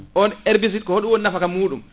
on herbicide ko hoɗum woni nafaka muɗum